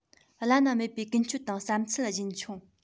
བླ ན མེད པའི ཀུན སྤྱོད དང བསམ ཚུལ རྒྱུན འཁྱོངས